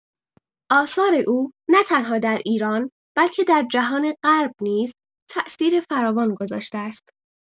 آثار او نه‌تنها در ایران بلکه در جهان غرب نیز تأثیر فراوان گذاشته است.